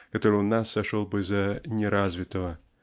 который у нас сошел бы за "неразвитого"